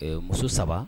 Ɛɛ; Muso 3